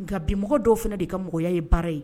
Nka bi mɔgɔ dɔw fana de ka mɔgɔ ye baara ye